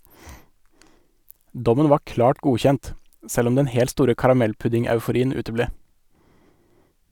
Dommen var klart godkjent, selv om den helt store karamellpudding-euforien uteble.